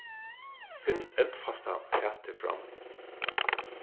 finn eldfasta fatið fram